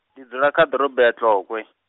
ndi dzula kha ḓorobo ya Tlokwe.